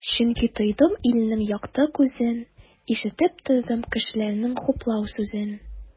Чөнки тойдым илнең якты күзен, ишетеп тордым кешеләрнең хуплау сүзен.